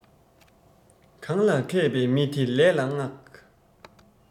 གང ལ མཁས པའི མི དེ ལས ལ མངགས